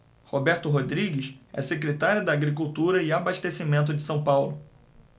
roberto rodrigues é secretário da agricultura e abastecimento de são paulo